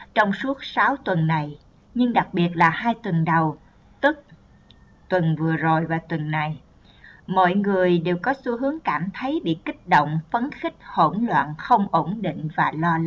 trong suốt sáu tuần này nhưng đặc biệt là hai tuần đầu mọi người có xu hướng cảm thấy kích động phấn khích hỗn loạn không ổn định và lo lắng